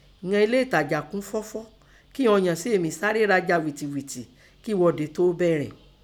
Ìnọn elé ẹ̀tajà kún fọfọ kíọn ọ̀ǹyàn sè mí sáré ra ọjà ghìtìghìti kẹ́ ẹ̀ghọọ̀de tó bẹ̀rẹ̀.